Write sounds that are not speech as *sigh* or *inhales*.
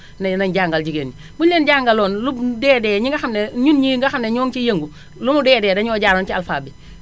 *inhales* nee nañu jàngal jigéen ñi bu ñu leen jàngaloon lu mu dee dee ñi nga xam ne ñun ñii nga xam ne ñoo ngi ciy yëngu lu mu dee dee dañoo jaaroon ci alpha bi